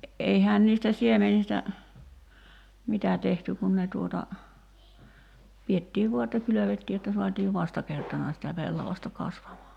eihän niistä siemenistä mitä tehty kun ne tuota pidettiin vain että kylvettiin jotta saatiin vastakertana sitä pellavasta kasvamaan